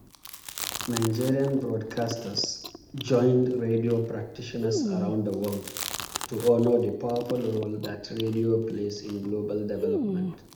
Nigerian broadcasters joined radio practitioners around the world to honor the powerful role that radio plays in global development.